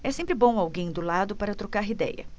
é sempre bom alguém do lado para trocar idéia